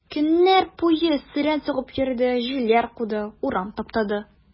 Көннәр буе сөрән сугып йөрде, җилләр куды, урам таптады.